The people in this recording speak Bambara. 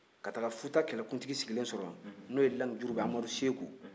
ka taga futa kɛlɛkuntigi sigilen sɔrɔ n'o ye lanbi jurubɛ amadu seku